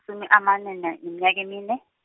-sumi amane na-, neminyaka emine.